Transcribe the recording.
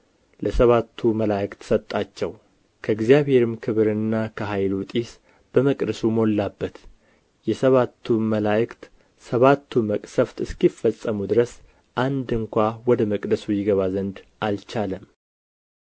ለሰባቱ መላእክት ሰጣቸው ከእግዚአብሔርም ክብርና ከኃይሉ ጢስ በመቅደሱ ሞላበት የሰባቱ መላእክት ሰባቱ መቅሰፍት እስኪፈጸሙ ድረስ አንድ እንኳ ወደ መቅደሱ ይገባ ዘንድ አልቻለም